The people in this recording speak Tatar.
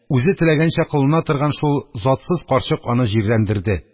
Үзе теләгәнчә кылына торган шул затсыз карчык аны җирәндерде.